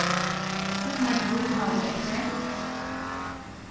hvussu nógv vín hava vit eftir